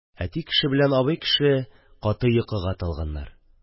Әти кеше белән абый кеше каты йокыга талганнар